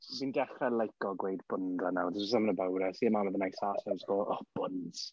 Dwi'n dechrau licio gweud bunda nawr. There's something about it. I see a man with a nice arse and I just go, oh bunds.